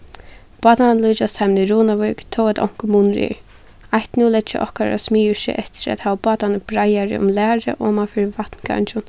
bátarnir líkjast teimum í runavík tó at onkur munur er eitt nú leggja okkara smiðir seg eftir at hava bátarnar breiðari um lærið oman fyri vatngangin